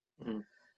Hmm.